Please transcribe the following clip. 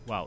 waaw